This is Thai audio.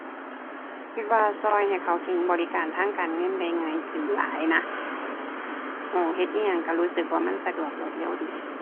คิดว่าช่วยให้เข้าถึงบริการทางการเงินได้ง่ายขึ้นหลายนะ อ้อ เฮ็ดอิหยังช่วยรู้สึกว่ามันสะดวกรวดเร็วดี